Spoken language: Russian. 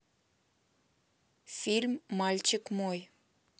фильм мальчик мой